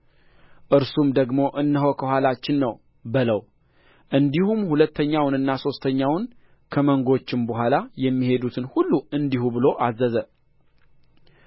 እርሱም ደግሞ እነሆ ከኋላችን ነው በለው እንዲሁም ሁለተኛውንና ሦስተኛውን ከመንጎችም በኋላ የሚሄዱትን ሁሉ እንዲሁ ብሎ አዘዘ